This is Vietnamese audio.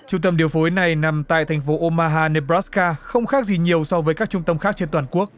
trung tâm điều phối này nằm tại thành phố ô ma ha nê bờ rát ca không khác gì nhiều so với các trung tâm khác trên toàn quốc